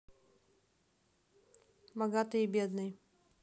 богатый и бедный